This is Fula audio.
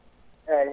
eeyi